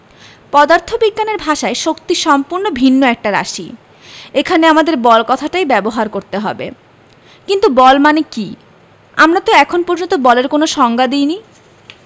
পদার্থবিজ্ঞানের ভাষায় শক্তি সম্পূর্ণ ভিন্ন একটা রাশি এখানে আমাদের বল কথাটাই ব্যবহার করতে হবে কিন্তু বল মানে কী আমরা তো এখন পর্যন্ত বলের কোনো সংজ্ঞা দিইনি